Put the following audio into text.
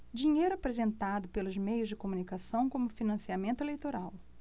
dinheiro apresentado pelos meios de comunicação como financiamento eleitoral